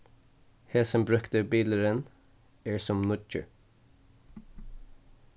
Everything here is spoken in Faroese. hesin brúkti bilurin er sum nýggjur